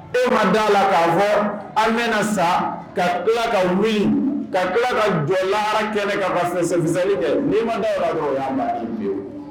E ma da a la k'a fɔ an bɛna sa ka tila ka wuli ka tila ka jɔyara kɛ kakisɛsɛ kɛ ni ma da